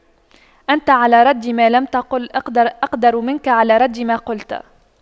أنت على رد ما لم تقل أقدر منك على رد ما قلت